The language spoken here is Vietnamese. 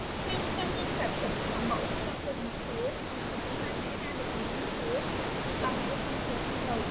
mẫu cho cùng một số thì chúng ta sẽ ra được một phân số bằng với phân số ban đầu